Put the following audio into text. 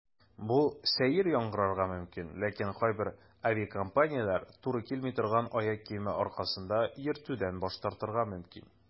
Бу сәер яңгырарга мөмкин, ләкин кайбер авиакомпанияләр туры килми торган аяк киеме аркасында йөртүдән баш тартырга мөмкин.